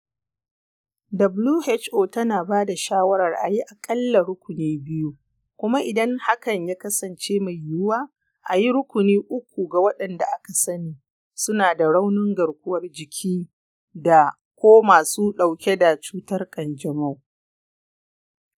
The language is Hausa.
who tana ba da shawarar a yi aƙalla rukuni biyu, kuma idan hakan ya kasance mai yiwuwa, a yi rukuni uku ga waɗanda aka sani suna da raunin garkuwar jiki da/ko masu ɗauke da cutar kanjamau.